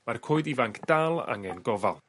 mae'r coed ifanc dal angen gofal.